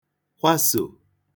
kwasò